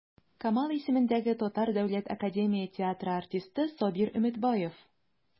Камал исемендәге Татар дәүләт академия театры артисты Сабир Өметбаев.